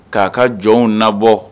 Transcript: K'a ka jɔn nabɔ